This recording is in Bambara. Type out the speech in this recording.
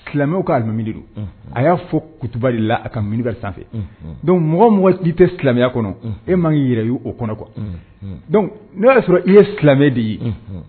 Silaamɛw ka alimami de don, a y'a fɔ kutuba la a ka minbari sanfɛ donc mɔgɔ o mɔgɔ n'i tɛ silamɛya kɔnɔ, e ma kan k'i yɛrɛ y''o kɔnɔ quoi, donc n'o y'a sɔrɔ i ye silamɛ de ye.